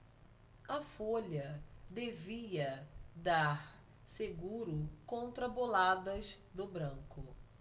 a folha devia dar seguro contra boladas do branco